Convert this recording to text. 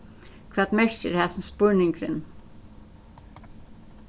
hvat merkir hasin spurningurin